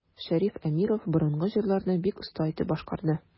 Шәриф Әмиров борынгы җырларны бик оста итеп башкарды.